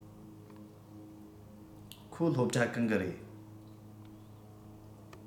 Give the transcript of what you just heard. ཁོ སློབ གྲྭ གང གི རེད